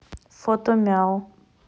фот мяу